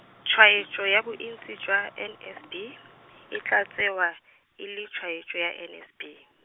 tshwetso ya bontsi jwa N S B, e tla tsewa, e le tshwetso ya N S B.